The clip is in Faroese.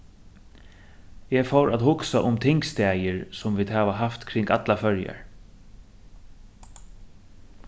eg fór at hugsa um tingstaðir sum vit hava havt kring allar føroyar